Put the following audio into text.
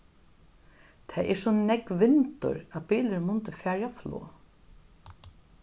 tað er so nógv vindur at bilurin mundi farið á flog